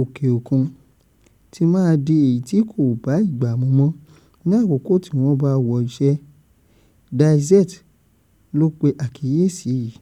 òkè òkun - ti máa di èyí tí kò bá ìgbà mu mọ́ ní àkókò tí wọ́n bá wọ iṣẹ́. Die Zelt ló pe àkíyèsí yìí.